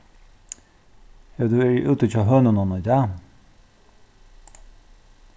hevur tú verið úti hjá hønunum í dag